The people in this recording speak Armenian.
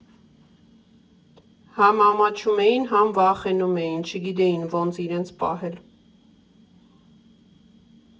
Հա՛մ ամաչում էին, հա՛մ վախենում էին, չգիտեին ոնց իրենց պահել։